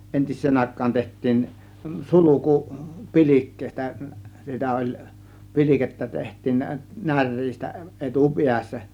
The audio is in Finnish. entiseen aikaan tehtiin sulku pilkkeistä sitä oli pilkettä tehtiin - näreistä - etupäässä